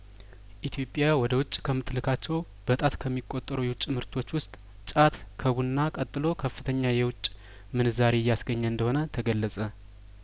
ኢትዮጵያ ወደ ውጭ ከምትልካቸው በጣት ከሚቆጠሩ የውጭ ምርቶች ውስጥ ጫት ከቡና ቀጥሎ ከፍተኛ የውጭ ምንዛሪ እያስገኘ እንደሆነ ተገለጸ